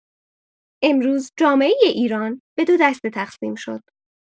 امروز جامعۀ ایران به دو دسته تقسیم شد.